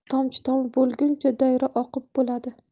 tomchi tomib bo'lguncha daryo oqib bo'ladi